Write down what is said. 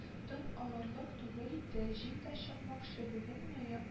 Тын алырлык түгел иде, җил дә чыкмакчы, бүген, мөя